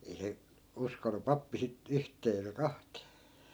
ei se uskonut pappi sitten yhteen eikä kahteen